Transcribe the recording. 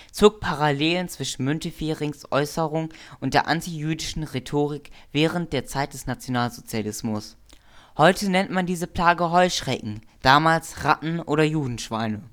zog Parallelen zwischen Münteferings Äußerung und der antijüdischen Rhetorik während der Zeit des Nationalsozialismus: „ Heute nennt man diese Plage Heuschrecken, damals Ratten oder Judenschweine